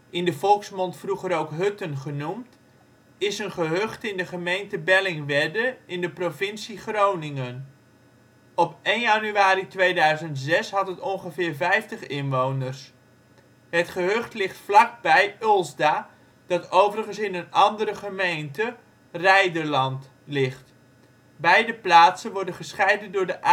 in de volksmond vroeger ook Hutten genoemd, is een gehucht in de gemeente Bellingwedde in de provincie Groningen. Op 1 januari 2006 had het ongeveer 50 inwoners. Het gehucht ligt vlak bij Ulsda, dat overigens in een andere gemeente, Reiderland, ligt. Beide plaatsen worden gescheiden door de